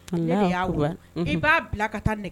Laya i b'a bila ka taa nɛgɛ